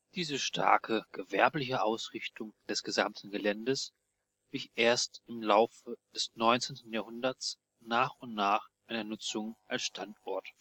Diese starke gewerbliche Ausrichtung des gesamten Geländes wich erst im Laufe des 19. Jahrhunderts nach und nach einer Nutzung als Standort